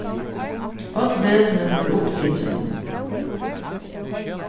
øll vesini vóru upptikin